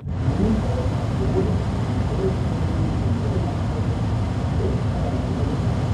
Nun sollten am Boden und im Himmel angesiedelte Levelabschnitte strikt voneinander getrennt